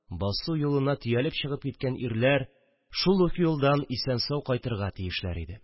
Басу юлына төялеп чыгып киткән ирләр шул ук юлдан исән-сау кайтырга тиешләр иде